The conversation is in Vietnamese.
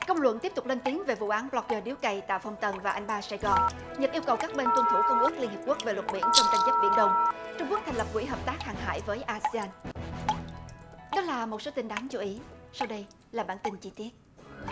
công luận tiếp tục lên tiếng về vụ án bờ loóc gơ điếu cày tạ phong tần và anh ba sài gòn những yêu cầu các bên tuân thủ công ước liên hiệp quốc về luật biển trong tranh chấp biển đông trung quốc thành lập quỹ hợp tác hàng hải với a si an đó là một số tin đáng chú ý sau đây là bản tin chi tiết